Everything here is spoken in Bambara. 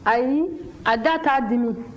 ayi a da t'a dimi